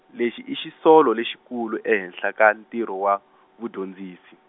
lexi i xisolo lexikulu ehenhla ka ntirho wa, vudyondzisi.